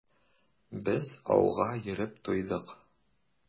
Без ауга йөреп туйдык.